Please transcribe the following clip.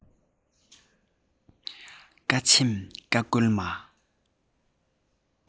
བཀའ ཆེམས ཀ ཁོལ མ